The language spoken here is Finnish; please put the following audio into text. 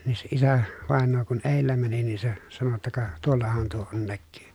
niin se isä vainaja kun edellä meni niin se sanoi jotta ka tuollahan tuo on näkyy